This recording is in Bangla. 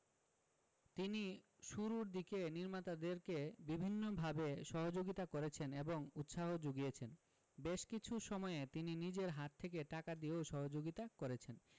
তিনি শুরুর দিকে নির্মাতাদেরকে বিভিন্নভাবে সহযোগিতা করেছেন এবং উৎসাহ যুগিয়েছেন বেশ কিছু সময়ে তিনি নিজের হাত থেকে টাকা দিয়েও সহযোগিতা করেছেন